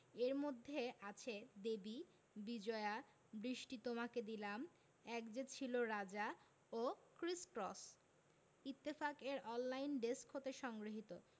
এর মধ্যে আছে দেবী বিজয়া বৃষ্টি তোমাকে দিলাম এক যে ছিল রাজা ও ক্রিস ক্রস ইত্তেফাক এর অনলাইন ডেস্ক হতে সংগৃহীত